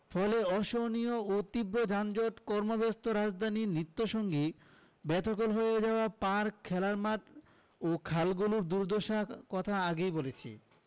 ফলে অসহনীয় ও তীব্র যানজট কর্মব্যস্ত রাজধানীর নিত্যসঙ্গী বেদখল হয়ে যাওয়া পার্ক খেলার মাঠ ও খালগুলোর দুর্দশার কথা আগে বলেছি